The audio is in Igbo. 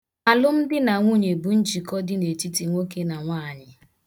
Alụm di na nwunye bụ njikọ dị n' etiti nwoke na nwaanyị.